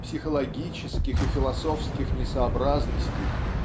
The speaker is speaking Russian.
психологических и философских несообразностей